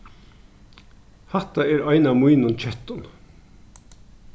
hatta er ein av mínum kettum